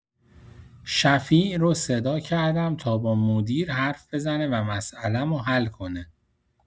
شفیع رو صدا کردم تا با مدیر حرف بزنه و مسئله‌مو حل کنه.